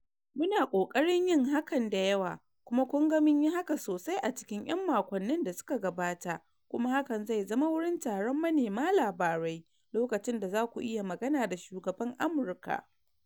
"Muna ƙoƙarin yin hakan da yawa kuma kun ga mun yi haka sosai a cikin 'yan makonnin da suka gabata kuma hakan zai zama wurin taron manema labarai lokacin da za ku iya magana da shugaban Amurka."